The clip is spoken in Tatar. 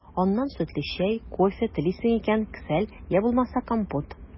Аннан сөтле чәй, кофе, телисең икән – кесәл, йә булмаса компот.